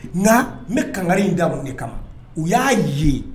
Nka n bɛ kanga in da de kama o y'a ye